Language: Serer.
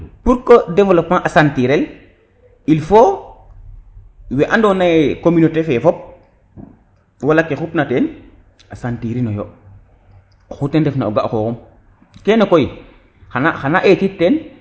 pour que developpement a sentir el il faut we ando naye communauté fe fop wala ke xup na ten a sentir inoyo oxu ten ref na o ga te xoxum kene koy xana xana etit ten